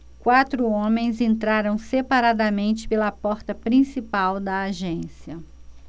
quatro homens entraram separadamente pela porta principal da agência